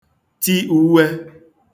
ti ūwē